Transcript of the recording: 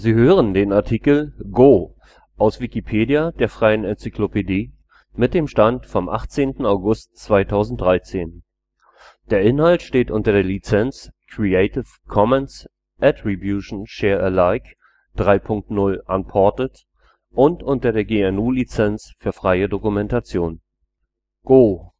hören den Artikel Go (Spiel), aus Wikipedia, der freien Enzyklopädie. Mit dem Stand vom Der Inhalt steht unter der Lizenz Creative Commons Attribution Share Alike 3 Punkt 0 Unported und unter der GNU Lizenz für freie Dokumentation. Ein japanischer Go-Tisch, genannt goban. Go